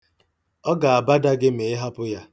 Ọ ga-abada gị ma ị hapụ ya.